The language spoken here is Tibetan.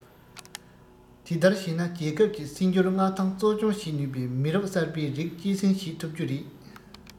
དེ ལྟར བྱས ན རྒྱལ ཁབ ཀྱི སྲིད འབྱོར མངའ ཐང གཙོ སྐྱོང བྱེད ནུས པའི མི རབས གསར བའི རིགས སྐྱེད སྲིང བྱེད ཐུབ རྒྱུ རེད